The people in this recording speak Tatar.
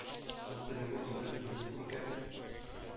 Үз телеңне инде белмисең икән,